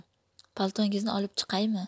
paltongizni olib chiqaymi